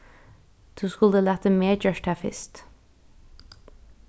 tú skuldi latið meg gjørt tað fyrst